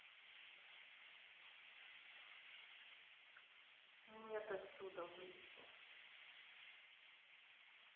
нет отсюда выйти